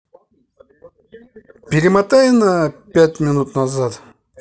перемотай на пять минут назад